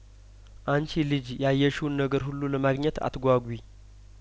የሰርጉ አንቺ ልጅ ያየሽውን ነገር ሁሉ ለማግኘት አትጓጉ ወጥ ኩችም ተደርጐ ነው የተሰራው